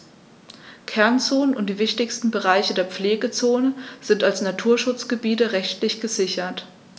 Kernzonen und die wichtigsten Bereiche der Pflegezone sind als Naturschutzgebiete rechtlich gesichert.